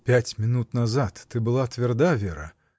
— Пять минут назад ты была тверда, Вера.